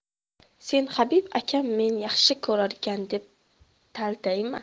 sen habib akam meni yaxshi ko'rarkan deb taltayma